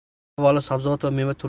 bu esa eng avvalo sabzavot